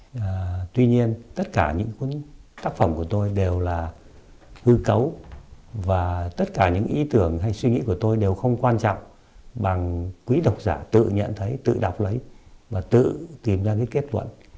à tuy nhiên tất cả những cuốn tác phẩm của tôi đều là hư cấu và tất cả những ý tưởng hay suy nghĩ của tôi đều không quan trọng bằng quý độc giả tự nhận thấy tự đọc lấy và tự tìm ra cái kết luận